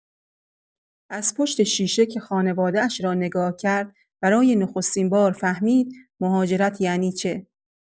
از پشت شیشه که خانواده‌اش را نگاه کرد، برای نخستین‌بار فهمید مهاجرت یعنی چه.